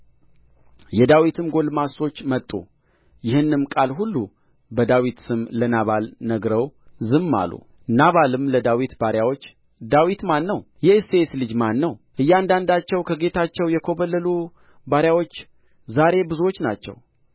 የዳዊትም ጕልማሶች መጡ ይህንም ቃል ሁሉ በዳዊት ስም ለናባል ነግረው ዝም አሉ ናባልም ለዳዊት ባሪያዎች ዳዊት ማን ነው የእሴይስ ልጅ ማን ነው እያንዳንዳቸው ከጌቶቻቸው የኰበለሉ ባሪያዎች ዛሬ ብዙዎች ናቸው